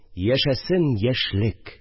Яшәсен яшьлек!